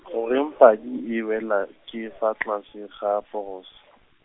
goreng padi e wela, ke fa tlase ga .